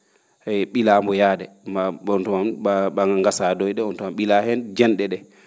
eyyi ?ilaa mbo yaade ma ?onton ?a ngassa doy?e oon taan ?ilaa heen jan?e ?ee